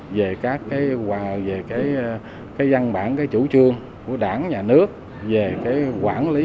về các cái và về cái cái văn bản về chủ trương của đảng nhà nước về quản lý